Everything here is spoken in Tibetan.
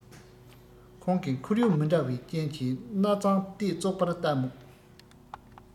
ཁོང གི ཁོར ཡུག མི འདྲ བའི རྐྱེན གྱིས སྣ བཙང སྟེ བཙོག པར ལྟ མོད